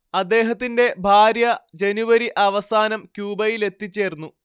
അദ്ദേഹത്തിന്റെ ഭാര്യ ജനുവരി അവസാനം ക്യൂബയിലെത്തിച്ചേർന്നു